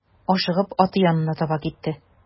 Ашыгып аты янына таба китте.